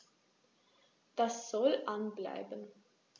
Das soll an bleiben.